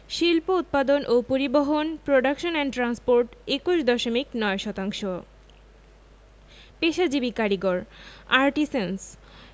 শিল্প উৎপাদন ও পরিবহণ প্রোডাকশন এন্ড ট্রান্সপোর্ট ২১ দশমিক ৯ শতাংশ পেশাজীবী কারিগরঃ আর্টিসেন্স